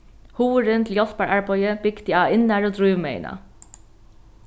hugurin til hjálpararbeiðið bygdi á innaru drívmegina